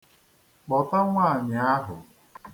Kpọta nwaanyị ahụ.